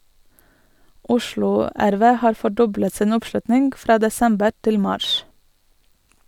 Oslo RV har fordoblet sin oppslutning fra desember til mars.